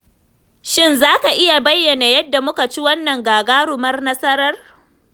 Shin za ka iya bayyana yadda muka ci wannann gagarumar nasarar?